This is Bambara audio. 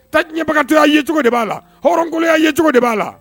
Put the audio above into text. Tabaga ye cogo b'a la hɔrɔnya ye cogo de b'a la